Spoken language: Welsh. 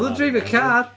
Oedd o'n dreifio car!